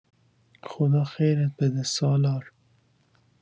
خدا خیرت بده سالار